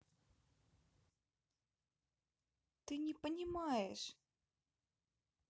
ты не понимаешь